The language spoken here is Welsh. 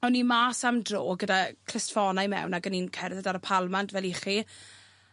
O'n i mas am dro gyda clustffonau mewn ag o'n i'n cerdded ar y palmant fel 'ych chi.